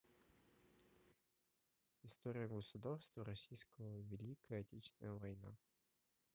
история государства российского великая отечественная война